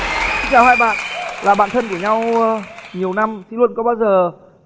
xin chào hai bạn là bạn thân của nhau nhiều năm sỹ luân có bao giờ